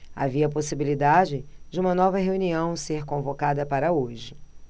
havia possibilidade de uma nova reunião ser convocada para hoje